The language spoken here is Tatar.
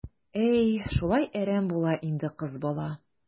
Әй, шулай әрәм була инде кыз бала.